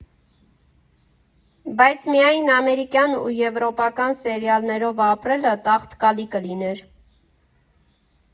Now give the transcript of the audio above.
Բայց միայն ամերիկյան ու եվրոպական սերիալներով ապրելը տաղտկալի կլիներ։